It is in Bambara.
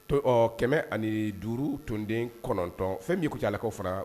Ɔ ɔ kɛmɛ ani duuru tunonden kɔnɔntɔn fɛn y min yalalakaw fara